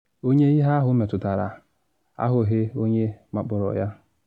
Onye ihe ahụ metụtara ahụghị onye makporo ya.